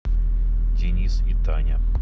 денис и таня